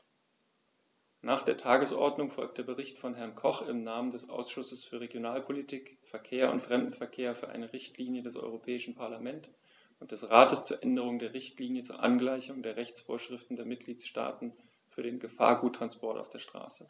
Nach der Tagesordnung folgt der Bericht von Herrn Koch im Namen des Ausschusses für Regionalpolitik, Verkehr und Fremdenverkehr für eine Richtlinie des Europäischen Parlament und des Rates zur Änderung der Richtlinie zur Angleichung der Rechtsvorschriften der Mitgliedstaaten für den Gefahrguttransport auf der Straße.